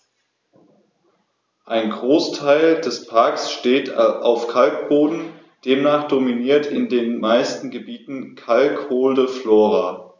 Ein Großteil des Parks steht auf Kalkboden, demnach dominiert in den meisten Gebieten kalkholde Flora.